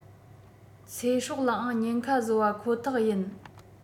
ཚེ སྲོག ལའང ཉེན ཁ བཟོ བ ཁོ ཐག ཡིན